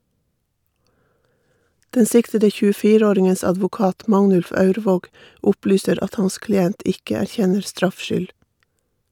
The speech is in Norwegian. Den siktede 24-åringens advokat, Magnulf Aurvåg, opplyser at hans klient ikke erkjenner straffskyld.